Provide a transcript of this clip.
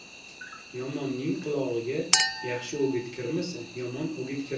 yomonning qulog'iga yaxshi o'git kirmasa yomon o'git kirar